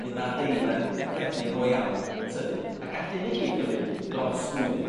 bydd 'na ddeilen rhedyn go iawn yn tyfu a gall 'yn i gyd gymyd dros flwyddyn.